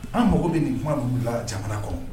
An mago bɛ nin kuma la jamana kɔ